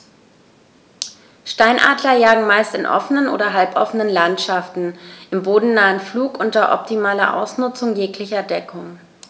Steinadler jagen meist in offenen oder halboffenen Landschaften im bodennahen Flug unter optimaler Ausnutzung jeglicher Deckung.